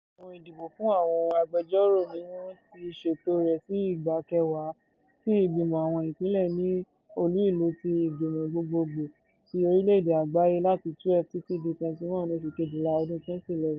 Àwọn ìdìbò fún àwọn agbẹjọ́rò ni wọ́n ti ṣètò rẹ sí ìgbà kẹwàá ti Ìgbìmọ̀ àwọn Ìpínlẹ̀ ní Olú-ìlú ti Ìgbìmọ̀ Gbogbogbò ti Orílè-èdè Àgbáyé láti 12 títí di 21oṣù Kejìlá, ọdún 2011.